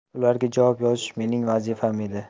ularga javob yozish mening vazifam edi